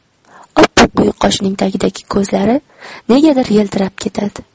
oppoq quyuq qoshining tagidagi ko'zlari negadir yiltirab ketadi